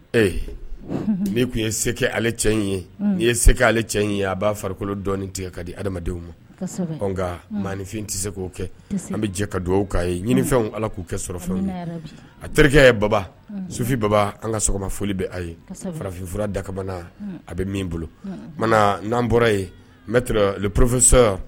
E' tun ye se ale cɛ in ye n'i ye se ale cɛ in ye a b'a farikolokolo dɔɔni tigɛ ka di adama ma nka mainfin tɛ se k'o kɛ an bɛ jɛ ka dugawu kaa ye ɲiniw ala k'u kɛ sɔrɔ fɛn a terikɛ ye baba sufin baba an ka sɔgɔma foli bɛ a ye farafinf dakamana a bɛ min bolo mana n'an bɔra yen n porofesɔ